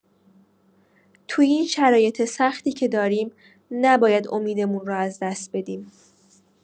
تو این شرایط سختی که داریم، نباید امیدمون رو از دست بدیم.